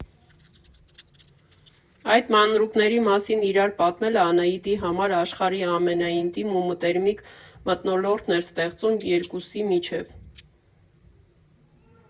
Այդ մանրուքների մասին իրար պատմելը Անահիտի համար աշխարհի ամենաինտիմ ու մտերմիկ մթնոլորտն էր ստեղծում երկուսի միջև։